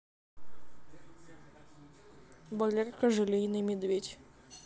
валерка желейный медведь